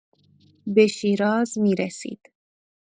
به شیراز می‌رسید.